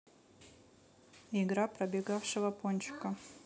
игра пробегавшего пончика